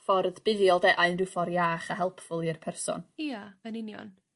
ffordd buddiol 'de a unrhyw ffor iach a helpful i'r person. Ia yn union.